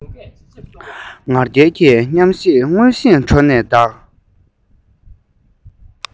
ང རྒྱལ གྱི ཉམས ཤིག མངོན བཞིན གྲོ ནས དག